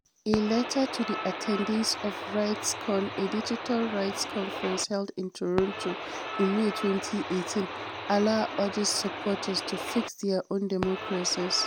In a letter to the attendees of RightsCon, a digital rights conference held in Toronto in May 2018, Alaa urged supporters to ”fix [their] own democracies”.